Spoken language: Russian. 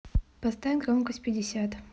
поставь громкость пятьдесят